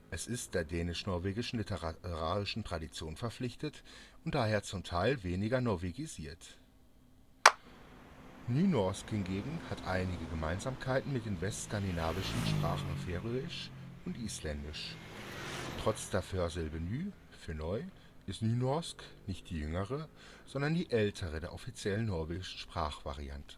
Es ist der dänisch-norwegischen literarischen Tradition verpflichtet und daher zum Teil weniger „ norwegisiert “. Nynorsk hingegen hat einige Gemeinsamkeiten mit den westskandinavischen Sprachen Färöisch und Isländisch. Trotz der Vorsilbe Ny - (für „ Neu “) ist Nynorsk („ Neu-Norwegisch “) nicht die jüngere, sondern die ältere der offiziellen norwegischen Sprachvarianten